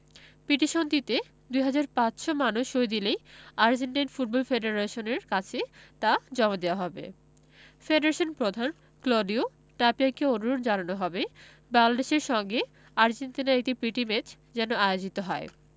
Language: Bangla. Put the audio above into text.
পিটিশনটিতে ২ হাজার ৫০০ মানুষ সই দিলেই আর্জেন্টাইন ফুটবল ফেডারেশনের কাছে তা জমা দেওয়া হবে ফেডারেশন প্রধান ক্লদিও তাপিয়াকে অনুরোধ জানানো হবে বাংলাদেশের সঙ্গে আর্জেন্টিনার একটি প্রীতি ম্যাচ যেন আয়োজিত হয়